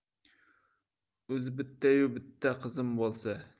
o'zi bittayu bitta qizim bo'lsa